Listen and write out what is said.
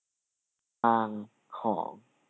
วางของ